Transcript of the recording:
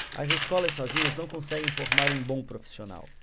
as escolas sozinhas não conseguem formar um bom profissional